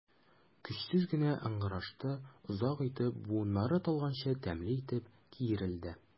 Көчсез генә ыңгырашты, озак итеп, буыннары талганчы тәмле итеп киерелде.